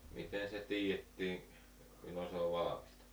miten se tiedettiin milloin se on valmista